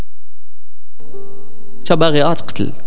صبغات